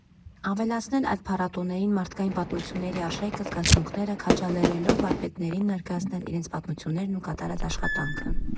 Ավելացնել այդ փառատոներին մարդկային պատմությունների արժեքը, զգացմունքները՝ քաջալերելով վարպետներին ներկայացնել իրենց պատմություններն ու կատարած աշխատանքը։